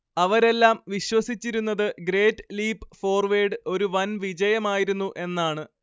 അവരെല്ലാം വിശ്വസിച്ചിരുന്നത് great leap forward ഒരു വൻ വിജയമായിരുന്നു എന്നാണ്